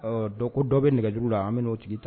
Ko dɔ bɛ nɛgɛ juguuru la an bɛ n'o tigi ta